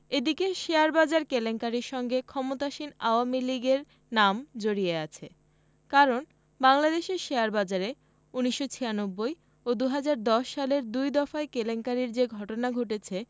এদিকে শেয়ারবাজার কেলেঙ্কারির সঙ্গে ক্ষমতাসীন আওয়ামী লীগের নাম জড়িয়ে আছে কারণ বাংলাদেশের শেয়ারবাজারে ১৯৯৬ ও ২০১০ সালের দুই দফায় কেলেঙ্কারির যে ঘটনা ঘটেছে